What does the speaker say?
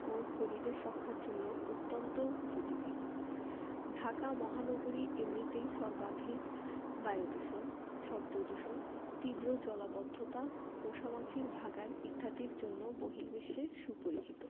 ও পরিবেশ রক্ষার জন্যও অত্যন্ত উপযোগী ঢাকা মহানগরী এমনিতেই সর্বাধিক বায়ুদূষণ শব্দদূষণ তীব্র জলাবদ্ধতা মশা মাছির ভাঁগাড় ইত্যাদির জন্য বহির্বিশ্বে সুপরিচিত